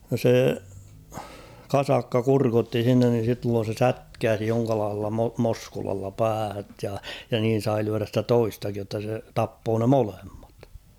no se kasakka kurkotti sinne niin silloin se sätkäisi jonkinlaisella - moskulalla päähän ja ja niin sai lyödä sitä toistakin jotta se tappoi ne molemmat